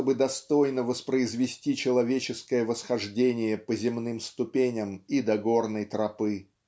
чтобы достойно воспроизвести человеческое восхождение по земным ступеням и до горной тропы.